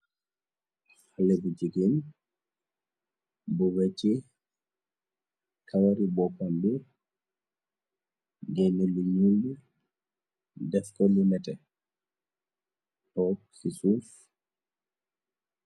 Xale bu jigeen bu wecci kawari boppam bi, genne lu ñuul li, def ko lu nete, toog ci suuf.